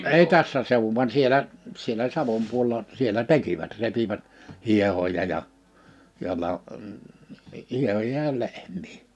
ei tässä seuduin vaan siellä siellä Savon puolella siellä tekivät repivät hiehoja ja ja - hiehoja ja lehmiä